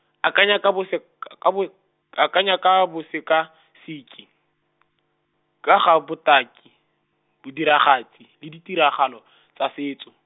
akanya ka bosek-, ka bo-, akanya ka bosekaseki, ka ga botaki, bodiragatsi, le ditiragalo , tsa setso.